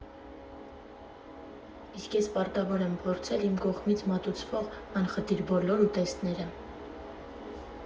Իսկ ես պարտավոր եմ փորձել իմ կողմից մատուցվող անխտիր բոլոր ուտեստները։